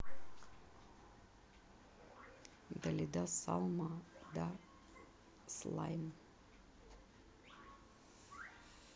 dalida salma да slame